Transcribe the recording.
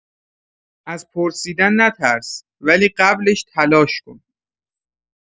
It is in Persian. از پرسیدن نترس، ولی قبلش تلاش کن.